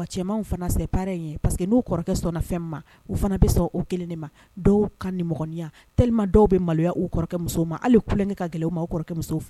Cɛman pa in pari que n' kɔrɔkɛfɛn u fana kelen ma dɔw kan niya te dɔw bɛ maloya u kɔrɔkɛ muso ma ale kukɛ ka gɛlɛn kɔrɔkɛ ma